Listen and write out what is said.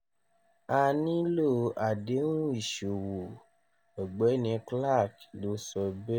"A nílò àdéhùn ìṣòwò,” Ọ̀gbẹ́ni Clark ló sọ bẹ́ẹ̀.